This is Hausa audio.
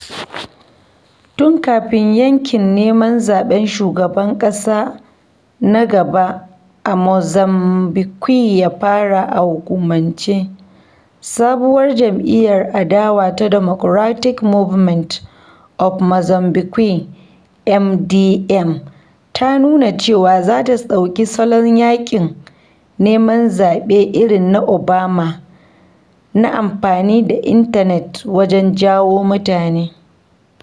Tun kafin yaƙin neman zaɓen shugaban ƙasa na bana a Mozambique ya fara a hukumance, sabuwar jam’iyyar adawa ta Democratic Movement of Mozambique (MDM) ta nuna cewa za ta ɗauki salon yaƙin neman zaɓe irin na“Obama” na amfani da intanet wajen jawo mutane.